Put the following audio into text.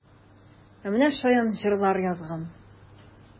Ә менә шаян җырлар язган!